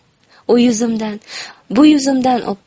u yuzimdan bu yuzimdan o'pdi